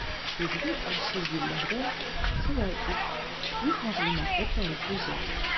"көзге ачы җилләрдә" шулай ук күп мәгълүматлы тарихи җыр.